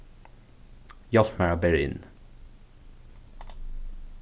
hjálp mær at bera inn